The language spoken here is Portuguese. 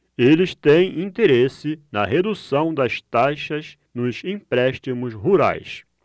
eles têm interesse na redução das taxas nos empréstimos rurais